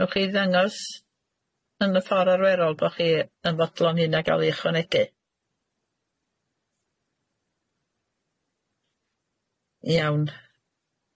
Wnowch chi ddangos yn y ffor arferol bo' chi yn ddodlon hyn a ga'l ei ychwanegu? Iawn.